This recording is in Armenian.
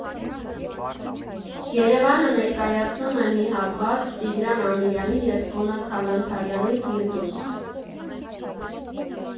ԵՐԵՎԱՆը ներկայացնում է մի հատված Տիգրան Ամիրյանի և Սոնա Քալանթարյանի «Ֆիրդուս.